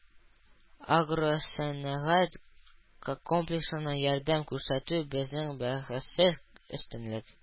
“агросәнәгать комплексына ярдәм күрсәтү – безнең бәхәссез өстенлек”